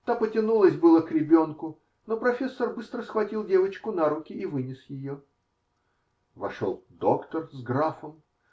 Та потянулась было к ребенку, но профессор быстро схватил девочку на руки и вынес ее. Вошел доктор с графом.